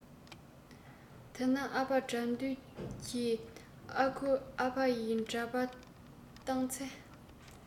དེ ན ཨ ཕ དགྲ འདུལ གྱི ཨ ཁུ ཨ ཕ ཡི འདྲ པར སྟེང ཚེ